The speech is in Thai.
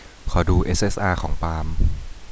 ขอดูเอสเอสอาของปาล์ม